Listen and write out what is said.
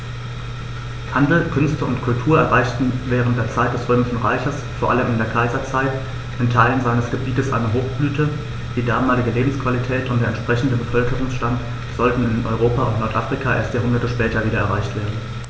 Handel, Künste und Kultur erreichten während der Zeit des Römischen Reiches, vor allem in der Kaiserzeit, in Teilen seines Gebietes eine Hochblüte, die damalige Lebensqualität und der entsprechende Bevölkerungsstand sollten in Europa und Nordafrika erst Jahrhunderte später wieder erreicht werden.